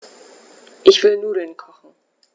Ich will Nudeln kochen.